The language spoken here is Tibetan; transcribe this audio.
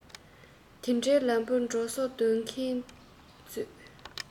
དེ འདྲའི ལམ དུ འགྲོ བཟོ སྡོད མཁས མཛོད